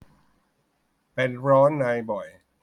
เป็นร้อนในบ่อย